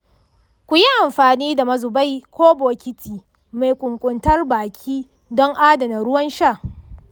ku yi amfani da mazubai ko bokiti mai kunkuntar baki don adana ruwan sha.